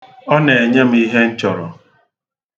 Ọ na-enye m ihe m chọrọ.